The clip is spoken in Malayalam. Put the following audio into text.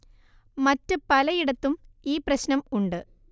മറ്റ് പലയിടത്തും ഈ പ്രശ്നം ഉണ്ട്